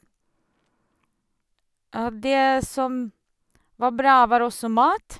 Det som var bra, var også mat.